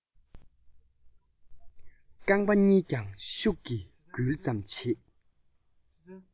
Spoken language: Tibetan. རྐང པ གཉིས ཀྱང ཤུགས ཀྱིས འགུལ ཙམ བྱེད